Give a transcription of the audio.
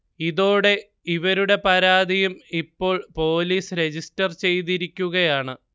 ഇതോടെ ഇവരുടെ പരാതിയും ഇപ്പോൾ പോലീസ് രജിസ്റ്റർ ചെയ്തിരിക്കുകയാണ്